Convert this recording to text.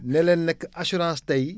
ne leen nag assuarance tey